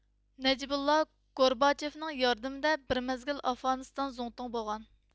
نەجىبۇللا گورباچېۋنىڭ ياردىمىدە بىر مەزگىل ئافغانىستان زۇڭتۇڭى بولغان